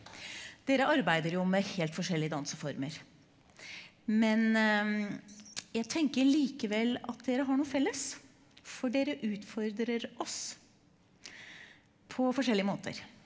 dere arbeider jo med helt forskjellige danseformer, men jeg tenker likevel at dere har noe felles, for dere utfordrer oss på forskjellige måter.